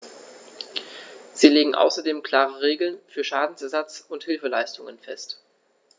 Sie legt außerdem klare Regeln für Schadenersatz und Hilfeleistung fest.